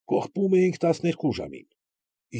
Կողպում էինք տասներկու ժամին։